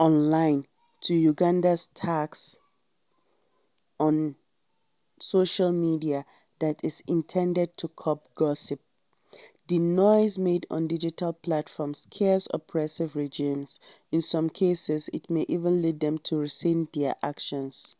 online to Uganda’s tax on social media that is intended to curb "gossip", the noise made on digital platforms scares oppressive regimes. In some cases, it may even lead to them to rescind their actions.